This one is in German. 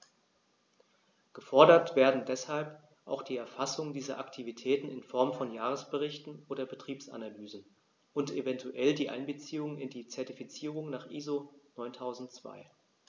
Gefordert werden deshalb auch die Erfassung dieser Aktivitäten in Form von Jahresberichten oder Betriebsanalysen und eventuell die Einbeziehung in die Zertifizierung nach ISO 9002.